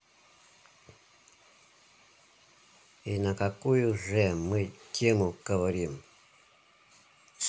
и на какую же мы тему говорим